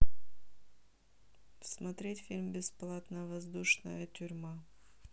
смотреть фильм бесплатно воздушная тюрьма